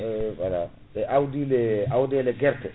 eyyi voilà e awdi ndi nde awdende guerte